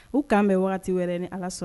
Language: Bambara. U kan bɛ waati wɛrɛ ni ala sɔn